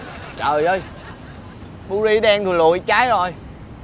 trời ơi bu gi đen thùi lùi cháy ồi